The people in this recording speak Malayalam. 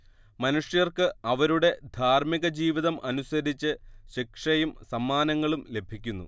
മനുഷ്യർക്ക് അവരുടെ ധാർമികജീവിതം അനുസരിച്ച് ശിക്ഷയും സമ്മാനങ്ങളും ലഭിക്കുന്നു